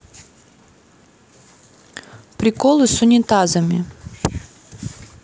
приколы с унитазами